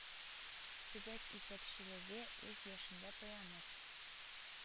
Төбәк итәкчелеге үз эшендә таянып